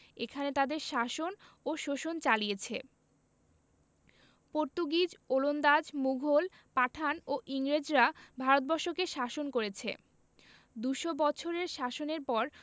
এখানে তাদের শাসন ও শোষণ চালিয়েছে পর্তুগিজ ওলন্দাজ মুঘল পাঠান ও ইংরেজরা ভারত বর্ষকে শাসন করেছে দু'শ বছরের শাসনের পর